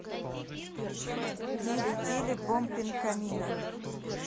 тили тили бом пинкамина